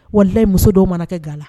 Walala muso dɔw mana kɛ ga la